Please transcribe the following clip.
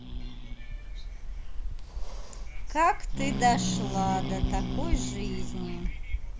как ты дошла до такой жизни